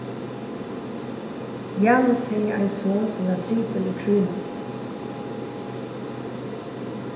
janus hevði ein son sum varð dripin í krígnum